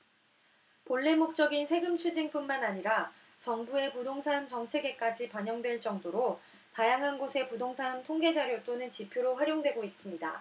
본래 목적인 세금추징뿐만 아니라 정부의 부동산 정책에까지 반영될 정도로 다양한 곳에 부동산 통계자료 또는 지표로 활용되고 있습니다